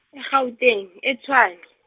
e- Gauteng e- Tshwane.